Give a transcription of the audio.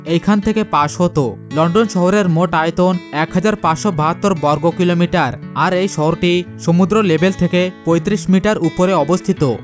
এখান থেকে পাশ হত লন্ডন শহরের মোট আয়তন ১৫৭২ বর্গ কিলো মিটার আর এই শহরটি সমুদ্র লেভেল থেকে ৩৫ মিটার উপর অবস্থিত